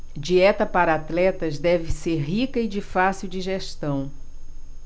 dieta para atletas deve ser rica e de fácil digestão